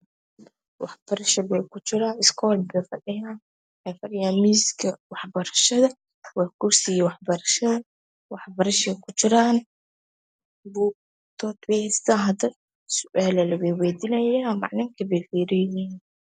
Waxbarsho bay kujiraan iskuul bayfadhiyaan waxay fa dhiyaan miiska wax barashada waa kursiga wax barashada wax barshay kujiran sualaa lawaywaydinoyaa macalinka